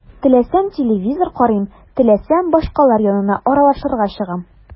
Теләсәм – телевизор карыйм, теләсәм – башкалар янына аралашырга чыгам.